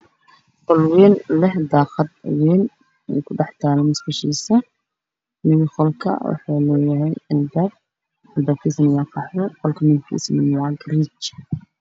Qol wayn leh leh daaqad wayn ay ku dhex taalo musqushiisa qolka wuxuu leeyahay albaab albaab kaasna waa qaxwi qolka midabkiisa waa gariij.